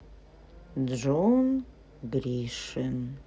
джон гришин